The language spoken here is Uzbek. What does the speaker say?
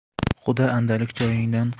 quda andalik joyingdan